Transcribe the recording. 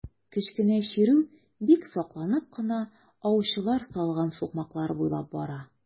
Кечкенә чирү бик сакланып кына аучылар салган сукмаклар буйлап бара.